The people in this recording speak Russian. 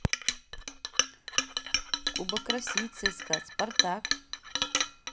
кубок россии цска спартак